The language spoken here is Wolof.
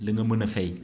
la nga mën a fay